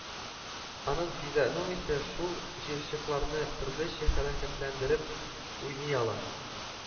Аның физиономиясе шул җыерчыкларны төрлечә хәрәкәтләндереп уйный ала